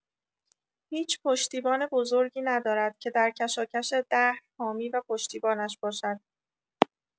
هیچ پشتیبان بزرگی ندارد که در کشاکش دهر حامی و پشتیبانش باشد.